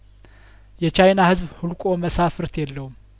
የቻይና ህዝብ ሁልቆ መሳፍርት የለውም